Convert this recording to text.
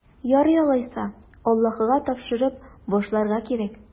Ярый алайса, Аллаһыга тапшырып башларга кирәк.